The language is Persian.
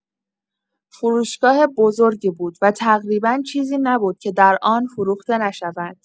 فروشگاه بزرگی بود و تقریبا چیزی نبود که در آن فروخته نشود.